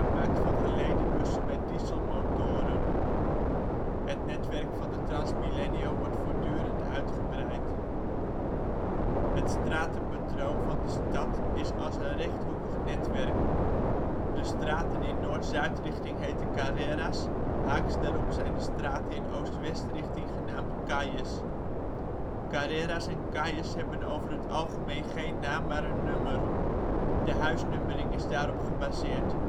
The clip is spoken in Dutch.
maakt van gelede bussen met dieselmotoren. Het netwerk van de Transmilenio wordt voortdurend uitgebreid. Het stratenpatroon van de stad is als een rechthoekig netwerk: de straten in noord-zuid-richting heten carreras, haaks daarop zijn de straten in oost-west-richting genaamd calles. Carreras en calles hebben over het algemeen geen naam, maar een nummer. De huisnummering is daarop gebaseerd